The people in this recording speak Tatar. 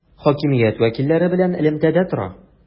Хакимият вәкилләре белән элемтәдә тора.